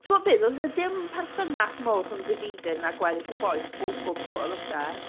Timod be, does 'na dim perthynas mawr rhwng Davide na gweddill y bois o gwbl, oes e?